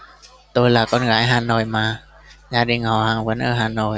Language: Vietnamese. tôi là con gái hà nội mà gia đình họ hàng vẫn ở hà nội